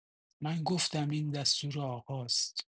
من گفتم این دستور آقاست.